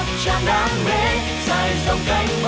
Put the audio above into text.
ta bước